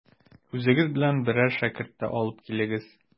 Үзегез белән берәр шәкерт тә алып килегез.